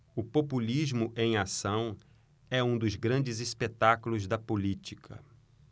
o populismo em ação é um dos grandes espetáculos da política